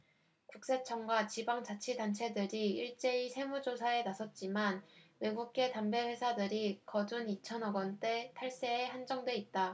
국세청과 지방자치단체들이 일제히 세무조사에 나섰지만 외국계 담배회사들이 거둔 이천 억원대 탈세에 한정돼 있다